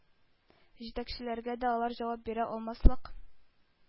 Җитәкчеләргә дә алар җавап бирә алмаслык